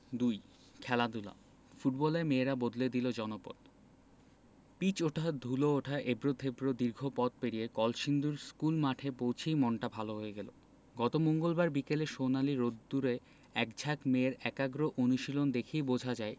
২ খেলাধুলা ফুটবলের মেয়েরা বদলে দিল জনপদ পিচ ওঠা ধুলো ওঠা এবড়োখেবড়ো দীর্ঘ পথ পেরিয়ে কলসিন্দুর স্কুলমাঠে পৌঁছেই মনটা ভালো হয়ে গেল গত মঙ্গলবার বিকেলে সোনালি রোদ্দুরে একঝাঁক মেয়ের একাগ্র অনুশীলন দেখেই বোঝা যায়